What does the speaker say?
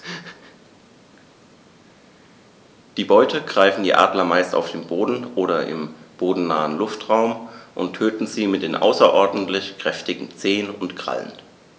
Die Beute greifen die Adler meist auf dem Boden oder im bodennahen Luftraum und töten sie mit den außerordentlich kräftigen Zehen und Krallen.